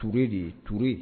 Tur de ye ture